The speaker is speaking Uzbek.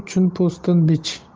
uchun po'stin bich